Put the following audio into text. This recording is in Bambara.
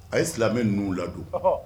A ye silamɛ ninnu ladon